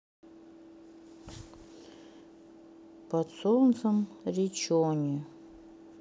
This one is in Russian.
под солнцем риччоне